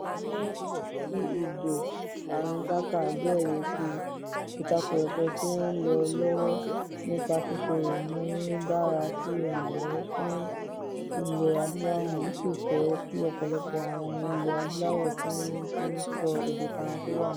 Ní TED, Harinjaka jẹ́rìí sí ìtàkurọ̀sọ̀ tí ó ń lọ lọ́wọ́ nípa ṣíṣe ìmúdárasi ìrànwọ̀ fún ilẹ̀ adúláwò ó sì fẹ́ kí ọ̀pọ̀lọpọ̀ àwọn ilẹ̀ adúláwò tí wọ́n ti ń sọ èdè Faranse wà níbẹ̀.